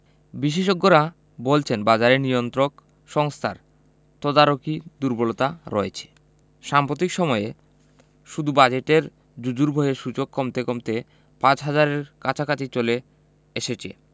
বিশেষজ্ঞরা বলছেন বাজারে নিয়ন্ত্রক সংস্থার তদারকি দুর্বলতা রয়েছে সাম্প্রতিক সময়ে শুধু বাজেটের জুজুর ভয়ে সূচক কমতে কমতে ৫ হাজারের কাছাকাছি চলে এসেছে